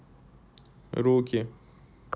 руки